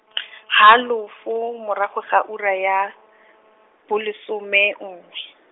halofo marago ga ura ya, bolesome nngwe.